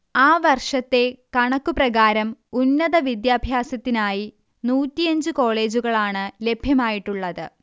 ആ വർഷത്തെ കണക്കു പ്രകാരം ഉന്നതവിദ്യാഭ്യാസത്തിനായി നൂറ്റിയഞ്ച് കോളേജുകളാണ് ലഭ്യമായിട്ടുള്ളത്